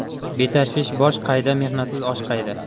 betashvish bosh qayda mehnatsiz osh qayda